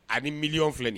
Ani miyɔn filɛi